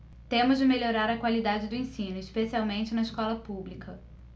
temos de melhorar a qualidade do ensino especialmente na escola pública